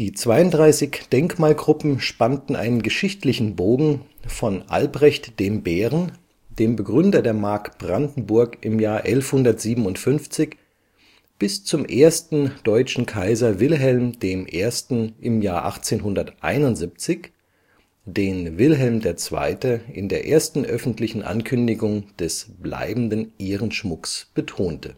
32 Denkmalgruppen spannten einen geschichtlichen Bogen von Albrecht dem Bären, dem Begründer der Mark Brandenburg im Jahr 1157, bis zum ersten Deutschen Kaiser Wilhelm I. im Jahr 1871, den Wilhelm II. in der ersten öffentlichen Ankündigung des „ bleibenden Ehrenschmucks “betonte